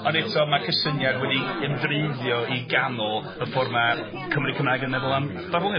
Ond eto mae'r cysyniad wedi ymdreiddio i ganol y ffor' 'ma Cymry Cymraeg yn meddwl am farddoniaeth